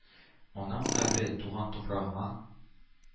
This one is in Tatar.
Анам кабре — туган туфрагыма